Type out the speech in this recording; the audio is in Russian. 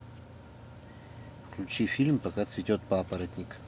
включи фильм пока цветет папоротник